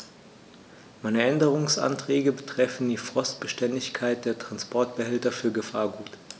Meine Änderungsanträge betreffen die Frostbeständigkeit der Transportbehälter für Gefahrgut.